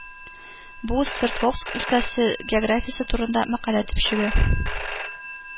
Бу Свердловск өлкәсе географиясе турында мәкалә төпчеге